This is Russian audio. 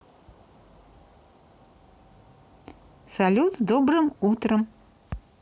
салют с добрым утром